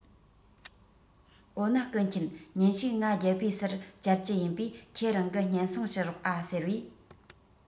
འོ ན སྐུ མཁྱེན ཉིན ཞིག ང རྒྱལ པོའོ སར བཅར གྱི ཡིན པས ཁྱེད རང གིས སྙན གསེང ཞུས ཤོག ཨྰ ཟེར བས